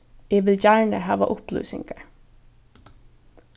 eg vil gjarna hava upplýsingar